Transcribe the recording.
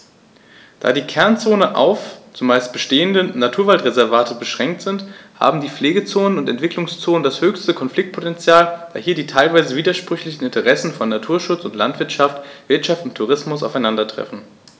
Da die Kernzonen auf – zumeist bestehende – Naturwaldreservate beschränkt sind, haben die Pflegezonen und Entwicklungszonen das höchste Konfliktpotential, da hier die teilweise widersprüchlichen Interessen von Naturschutz und Landwirtschaft, Wirtschaft und Tourismus aufeinandertreffen.